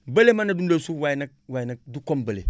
bële mën na dundal suuf waaye nag waaye nag du comme bële